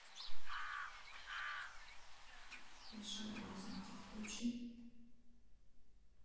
большая разница включи